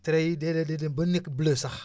traits yi day dem ba nekk bleu